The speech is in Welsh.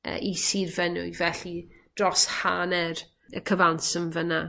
yy i Sir Fynwy felly dros hanner y cyfanswm fyn 'na.